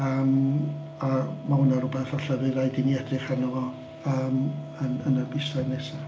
Yym a ma' hwnna'n rywbeth falle fydd raid i ni'n edrych arno fo yym yn yn y misoedd nesa.